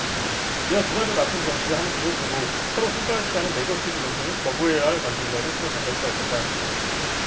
이어 누가 더 나쁜 정치를 하는 지를 두고 서로 손가락질 하는 네거티브 경쟁은 거부해야 할 관습이라고 생각한다고 밝혔다